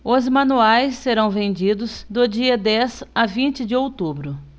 os manuais serão vendidos do dia dez a vinte de outubro